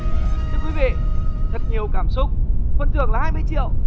thưa quý vị thật nhiều cảm xúc phần thưởng là hai mươi triệu